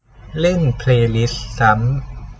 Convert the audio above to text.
เล่นเพลย์ลิสซ้ำ